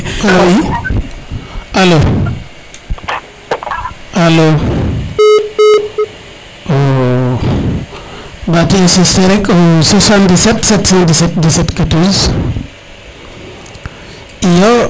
alo oui alo alo o mbati insister rek au 777171714